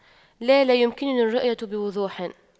لا لا يمكنني الرؤية بوضوح